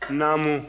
naamu